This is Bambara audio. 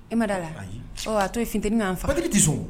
E ma d'a la, ayi, ɔ a to yen funteni k'an faga, battérie tɛ sɔn